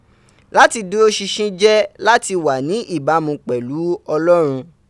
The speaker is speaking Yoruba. Lati duro sinsin je lati wa ni ibamu pelu olorun